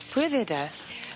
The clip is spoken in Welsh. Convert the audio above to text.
Pwy o'dd e de?